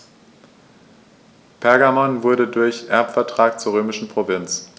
Pergamon wurde durch Erbvertrag zur römischen Provinz.